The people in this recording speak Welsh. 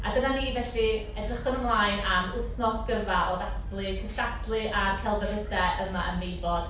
A dyna ni felly, edrychwn ymlaen am wythnos gyfa o ddathlu, cystadlu a'r celfyddydau yma ym Meifod.